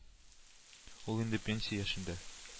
Ул инде пенсия яшендә